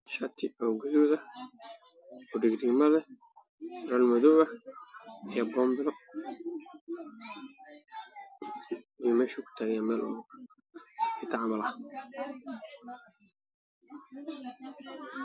Shaati oo gaduud ah iyo boombalo